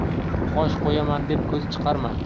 qosh qo'yaman deb ko'z chiqarma